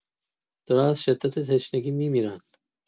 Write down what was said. دارن از شدت تشنگی میمیرن